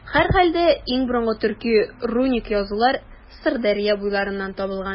Һәрхәлдә, иң борынгы төрки руник язулар Сырдәрья буйларыннан табылган.